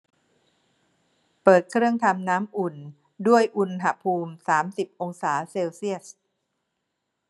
เปิดเครื่องทำน้ำอุ่นด้วยอุณหภูมิสามสิบองศาเซลเซียส